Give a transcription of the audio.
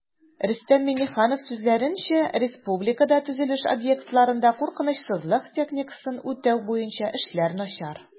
Рөстәм Миңнеханов сүзләренчә, республикада төзелеш объектларында куркынычсызлык техникасын үтәү буенча эшләр начар